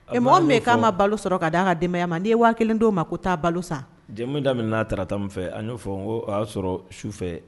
E mɔgɔ min k'an ka balo sɔrɔ ka d' an ka denbayaya ma n' ye waa kelen' o ma ko taa balo sa jamu damin taarara min fɛ a n'o fɔ n o y'a sɔrɔ su fɛ